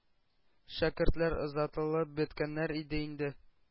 Шәкертләр озатылып беткәннәр иде инде.